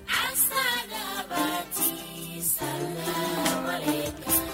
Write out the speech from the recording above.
A se ba jigin laban mɔ kɛ